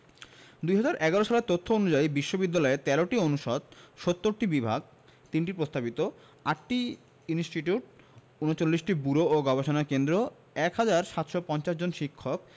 ২০১১ সালের তথ্য অনুযায়ী বিশ্ববিদ্যালয়ে ১৩টি অনুষদ ৭০টি বিভাগ ৩টি প্রস্তাবিত ৮টি ইনস্টিটিউট ৩৯টি ব্যুরো ও গবেষণা কেন্দ্র ১ হাজার ৭৫০ জন শিক্ষক